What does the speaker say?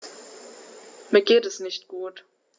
Mir geht es nicht gut.